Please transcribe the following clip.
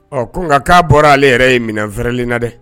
Ɔ ko nka k'a bɔra ale yɛrɛ ye minɛ wɛrɛɛrɛli na dɛ